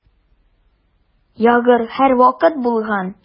Ягр һәрвакыт булган.